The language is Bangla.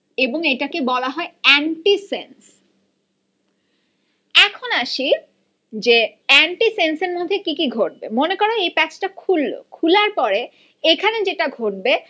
এবং এটাকে বলা হয় এন্টিসেন্স এখন আসি যে এন্টিসেন্স এর মধ্যে কি কি ঘটবে মনে কর এই প্যাচটা খুলল খোলার পরে এখানে যেটা ঘটবে